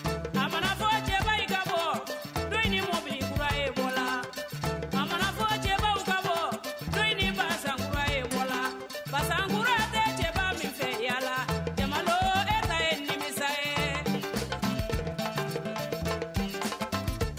A mana fɔ cɛ i kakɔ to ni mɔgɔ minkura i wala la a mana fɔ cɛ kakɔ to ni basakura i wala la fasago tɛ cɛ minfɛ yala la jama dɔgɔkɛ sa nimi